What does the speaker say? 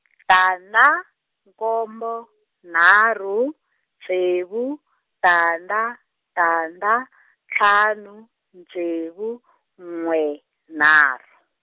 tandza, nkombo nharhu ntsevu tandza tandza ntlhanu ntsevu n'we nharhu.